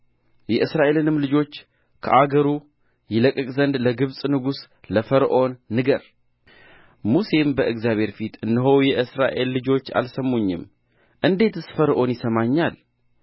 የእስራኤልንም ልጆች ከአገሩ ይለቅቅ ዘንድ ለግብፅ ንጉሥ ለፈርዖን ንገር ሙሴም በእግዚአብሔር ፊት እነሆ የእስራኤል ልጆች አልሰሙኝም እንዴትስ ፈርዖን ይሰማኛል